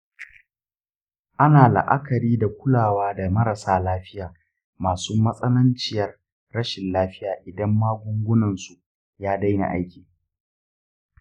ana la'akari da kulawa da marasa lafiya masu matsananciyar rashin lafiya idan magungunan su ya daina aiki.